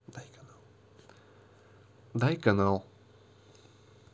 дай канал